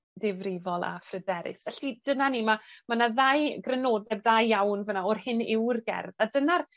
difrifol a phryderus. Felly dyna ni ma' ma' 'na ddau grynodeb da iawn fyna o'r hyn yw'r gerdd. A dyna'r